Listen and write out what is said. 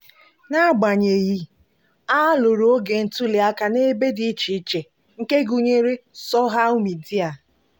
N'abanyeghị, a lụrụ ọgụ ntuliaka n'ebe dị iche iche, nke gụnyere soshal midịa.